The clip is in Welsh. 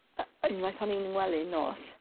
yy unwaith oni'n yng gwely'n nos